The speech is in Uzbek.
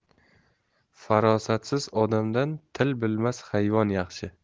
farosatsiz odamdan til bilmas hayvon yaxshi